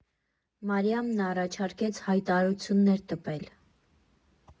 «Մարիամն առաջարկեց հայտարարություններ տպել։